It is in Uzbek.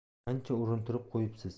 ancha urintirib qo'yibsiz